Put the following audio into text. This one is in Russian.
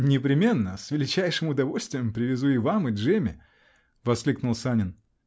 -- Непременно, с величайшим удовольствием привезу и вам и Джемме !-- воскликнул Санин.